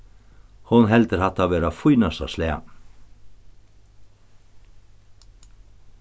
hon heldur hatta vera fínasta slag